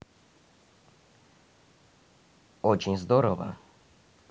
очень здорово